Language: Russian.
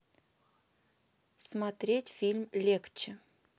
смотреть фильм легче